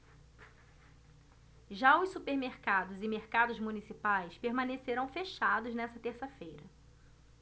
já os supermercados e mercados municipais permanecerão fechados nesta terça-feira